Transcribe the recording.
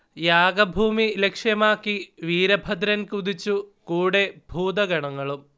യാഗഭൂമി ലക്ഷ്യമാക്കി വീരഭദ്രൻ കുതിച്ചു കൂടെ ഭൂതഗണങ്ങളും